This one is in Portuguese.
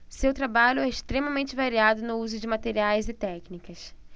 seu trabalho é extremamente variado no uso de materiais e técnicas